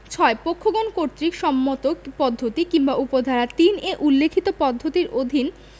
৬ পক্ষগণ কর্তৃক সম্মত পদ্ধতি কিংবা উপ ধারা ৩ এ উল্লেখিত পদ্ধতির অধীন